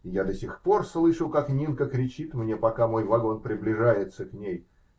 И я до сих пор слышу, как Нинка кричит мне, пока мой вагон приближается к ней.